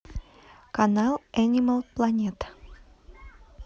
канал энимал планет